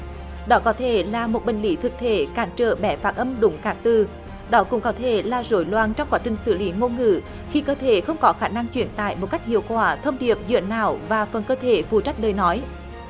đã có thể là một bệnh lý thực thể cản trở bé phát âm đúng các từ đó cũng có thể là rối loạn trong quá trình xử lý ngôn ngữ khi cơ thể không có khả năng chuyển tải một cách hiệu quả thông điệp giữa não và phần cơ thể phụ trách lời nói